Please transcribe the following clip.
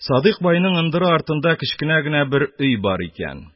Садыйк байның ындыры артында кечкенә генә бер өй бар икән.